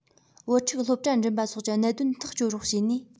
བུ ཕྲུག སློབ གྲྭ འགྲིམ པ སོགས ཀྱི གནད དོན ཐག གཅོད རོགས བྱས ནས